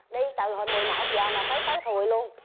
đi từ hồi mừi một giờ mà tới tối thùi lun